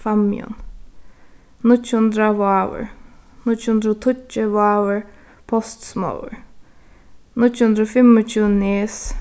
fámjin níggju hundrað vágur níggju hundrað og tíggju vágur postsmogur níggju hundrað og fimmogtjúgu nes